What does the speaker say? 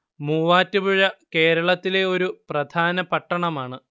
മൂവാറ്റുപുഴ കേരളത്തിലെ ഒരു പ്രധാന പട്ടണമാണ്